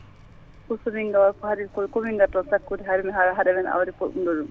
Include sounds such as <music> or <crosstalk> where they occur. pour somin gawa komin guidato sakkude hademin hade , hade amen awde <hesitation> ɗum ɗo ɗum